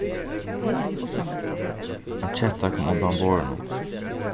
ein ketta kom undan borðinum